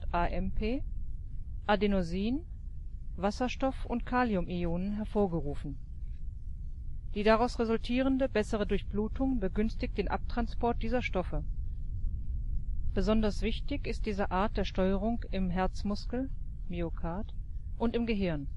AMP, Adenosin, Wasserstoff - und Kalium-Ionen hervorgerufen. Die daraus resultierende bessere Durchblutung begünstigt den Abtransport dieser Stoffe. Besonders wichtig ist diese Art der Steuerung im Herzmuskel (Myokard) und im Gehirn